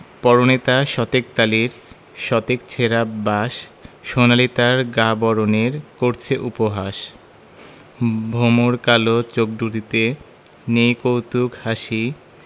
পরনে তার শতেক তালির শতেক ছেঁড়া বাস সোনালি তার গা বরণের করছে উপহাস ভমর কালো চোখ দুটিতে নেই কৌতুক হাসি